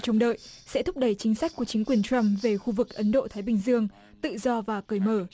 trông đợi sẽ thúc đẩy chính sách của chính quyền trăm về khu vực ấn độ thái bình dương tự do và cởi mở